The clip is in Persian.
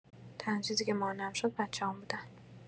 تنها چیزی که مانعم شد بچه‌هام بودن.